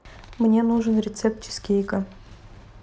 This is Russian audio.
мне нужен рецепт чизкейка